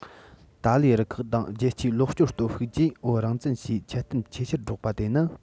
ཏཱ ལའི རུ ཁག དང རྒྱལ སྤྱིའི ལོག སྤྱོད སྟོབས ཤུགས ཀྱིས བོད རང བཙན ཞེས འཆལ གཏམ ཆེ ཆེར སྒྲོག པ དེ ནི